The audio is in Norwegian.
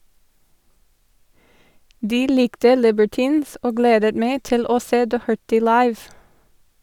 De likte Libertines og gledet meg til å se Doherty live.